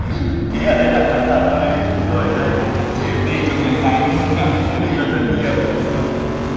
ý ở đây là khán giả ơi chúng tôi ở đây hãy chặt chém đi cho nháy nháy đúng không ạ hãy bình luận thật nhiều à xin mời